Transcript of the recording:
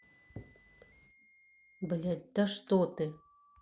блядь да что ты